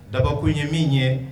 Daba ko ye min ye